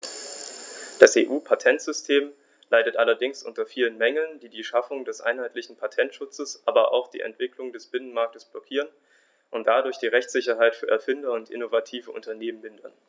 Das EU-Patentsystem leidet allerdings unter vielen Mängeln, die die Schaffung eines einheitlichen Patentschutzes, aber auch die Entwicklung des Binnenmarktes blockieren und dadurch die Rechtssicherheit für Erfinder und innovative Unternehmen mindern.